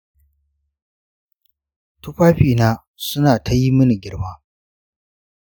tufafina su na ta yi mini girma.